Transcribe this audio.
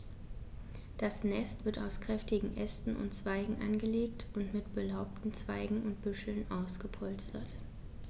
Das Nest wird aus kräftigen Ästen und Zweigen angelegt und mit belaubten Zweigen und Büscheln ausgepolstert.